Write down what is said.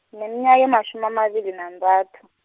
ngineminyaka ematjhumi amabili nantathu.